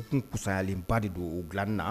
U tun kusayalen ba de don o bila na